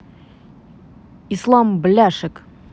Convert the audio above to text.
ислам бляшек